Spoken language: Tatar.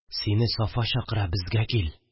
– сине сафа чакыра, безгә кил.